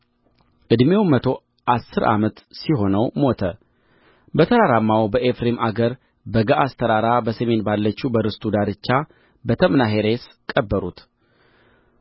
ዕድሜው መቶ አሥር ዓመት ሲሆነው ሞተ በተራራማውም በኤፍሬም አገር በገዓስ ተራራ በሰሜን ባለችው በርስቱ ዳርቻ በተምናሔሬስ ቀበሩት